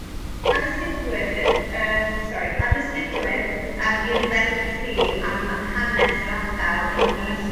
a ddysgydwyr yym sori a ddysgydwyr unrhyw beth i chi am hanes yr ardal yn yr ysgol neu